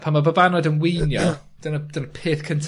...pan ma' babadon yn weenio... dyna dyna peth cynta...